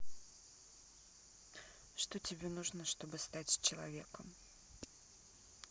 что тебе нужно чтобы стать человеком